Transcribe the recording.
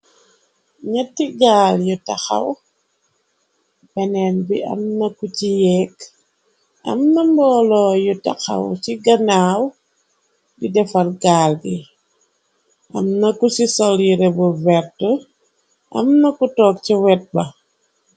Nyetti gaal yu taxaw, penen bi am naku ci yeeg, am na mbooloo yu taxaw ci ganaaw di defar gaal gi. Am na ku ci sol yire bu verti, am na ku toog ci wet ba.